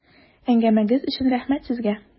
Әңгәмәгез өчен рәхмәт сезгә!